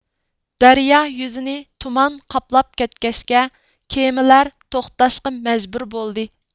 دەريا يۈزىنى تۇمان قاپلاپ كەتكەچكە كېمىلەر توختاشقا مەجبۇر بولدى